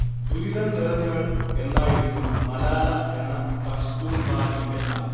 'ദുരിതം നിറഞ്ഞവൾ' എന്നായിരുന്നു മലാല എന്ന പഷ്തൂൺ വാക്കിന്റെ അർത്ഥം